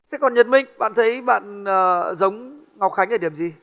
thế còn nhật minh bạn thấy bạn ờ giống ngọc khánh ở điểm gì